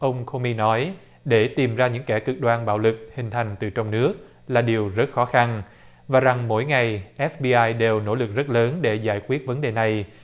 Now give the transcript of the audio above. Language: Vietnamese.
ông cô mi nói để tìm ra những kẻ cực đoan bạo lực hình thành từ trong nước là điều rất khó khăn và rằng mỗi ngày ép bi ai đều nỗ lực rất lớn để giải quyết vấn đề này